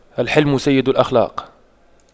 الحِلْمُ سيد الأخلاق